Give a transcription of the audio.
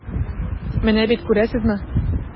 Менә бит, күрәсезме.